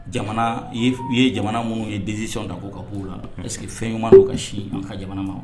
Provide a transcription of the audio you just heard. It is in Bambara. Jamana u ye jamana minnu ye desi ta ko ka b'u la parce que fɛn don ka si ka jamana ma